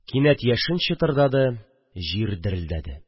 Кинәт яшен чытырдады, җир дерелдәде